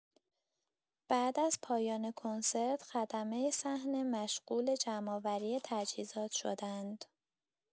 بعد از پایان کنسرت، خدمه صحنه مشغول جمع‌آوری تجهیزات شدند.